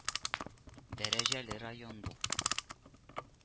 Дәрәҗәле район бу